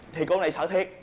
thì cô này sơ thiệt